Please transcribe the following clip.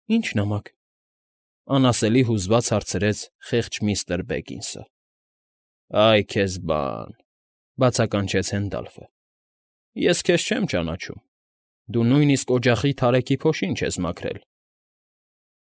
Ի՞նչ նամակ, ֊ անասելի հուզված հարցրեց խեղճ միստր Բեգինսը։ ֊ Այ քեզ բա՜ն, ֊ բացականչեց Հենդալֆը։ ֊ Ես քեզ չեմ ճանաչում, դու նույնիսկ օջախի թարեքի փոշին չես մաքրել։